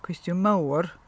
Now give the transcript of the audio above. Cwestiwn mawr.